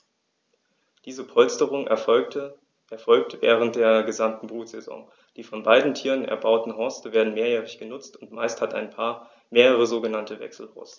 Diese Polsterung erfolgt während der gesamten Brutsaison. Die von beiden Tieren erbauten Horste werden mehrjährig benutzt, und meist hat ein Paar mehrere sogenannte Wechselhorste.